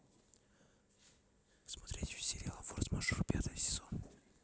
смотреть сериал форс мажоры пятый сезон